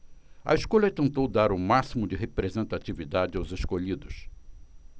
a escolha tentou dar o máximo de representatividade aos escolhidos